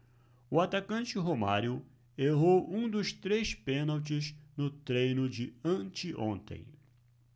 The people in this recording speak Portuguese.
o atacante romário errou um dos três pênaltis no treino de anteontem